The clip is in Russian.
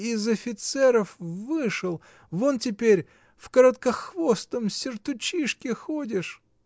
из офицеров вышел, вон теперь в короткохвостом сертучишке ходишь!